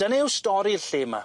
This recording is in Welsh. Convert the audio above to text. Dyna yw stori'r lle 'ma.